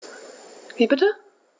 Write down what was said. Wie bitte?